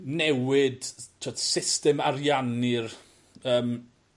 newid t'wod system ariannu'r yym